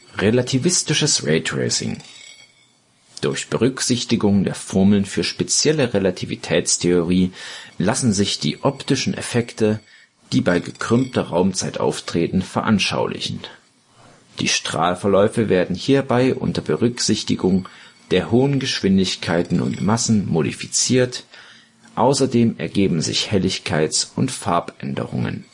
Relativistisches Raytracing Durch Berücksichtigung der Formeln für die spezielle Relativitätstheorie lassen sich die optischen Effekte, die bei gekrümmter Raumzeit auftreten, veranschaulichen. Die Strahlverläufe werden hierbei unter Berücksichtigung der hohen Geschwindigkeiten und Massen modifiziert; außerdem ergeben sich Helligkeits - und Farbänderungen